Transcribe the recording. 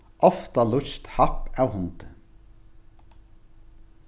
ofta lýtst happ av hundi